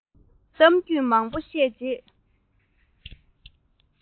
གཏམ རྒྱུད མང པོ བཤད རྗེས